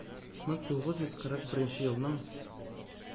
Мең тугыз йөз кырык беренче елның